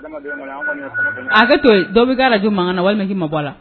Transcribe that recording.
Hakɛ to dɔ b'i ka radio mankan na walima i k'i mabɔ a la.